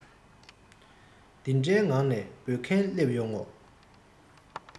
དེ འདྲའི ངང ནས འབོད མཁན སླེབས ཡོང ངོ